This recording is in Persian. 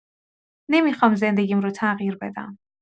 نمی‌خوام زندگیم رو تغییر بدم.